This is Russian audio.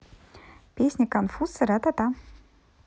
песня конфуз ратата